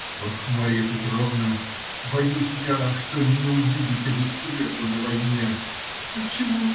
- Ах, Марья Петровна, боюсь я, что не увидите вы свету на войне. - Отчего?